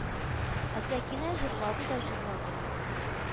Ә Сәкинә җырлады да җырлады